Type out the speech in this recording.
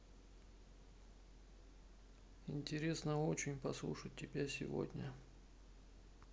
интересно очень послушать тебя сегодня